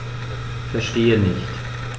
Verstehe nicht.